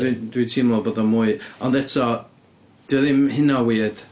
Dwi dwi'n teimlo bod o'n mwy... ond eto, 'di o ddim hynna o weird.